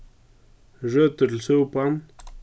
røtur til súpan